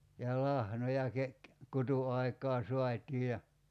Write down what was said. ja lahnoja - kutuaikaan saatiin ja